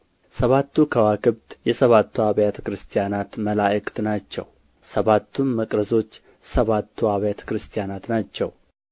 ሰባቱ ከዋክብት የሰባቱ አብያተ ክርስቲያናት መላእክት ናቸው ሰባቱም መቅረዞች ሰባቱ አብያተ ክርስቲያናት ናቸው